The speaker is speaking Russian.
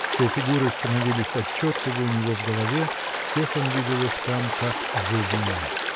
Все фигуры становились отчетливо у него в голове, всех он видел их там, как живыми.